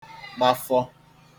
gbafọ